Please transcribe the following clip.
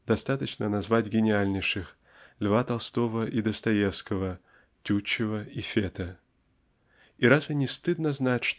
достаточно назвать гениальнейших--Л. Толстого и Достоевского Тютчева и Фета. И разве не стыдно знать